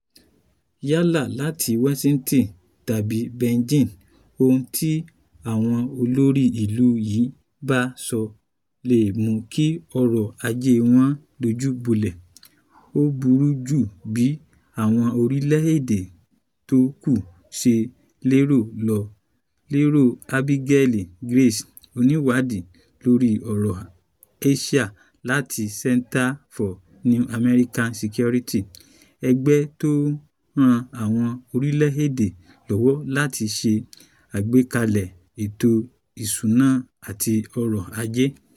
”Yálà láti Washington tàbí Beijing, ohun tí àwọn olórí ìlú yìí bá ṣọ lè mú kí ọrọ̀-ajé wọn dojúbolẹ̀. Ó burú ju bíi àwọn orílẹ̀-èdè tó kù ṣe lérò lọ,” lèrò Abigail Grace, oníwádìí lóri ọ̀rọ̀ Asia láti Center for New American Security -ẹgbẹ́ tó ń ran àwọn orílẹ̀-èdè lọ́wọ́ láti ṣe àgbékalẹ̀ ètò-ìṣúná àti ọrọ̀-ajé.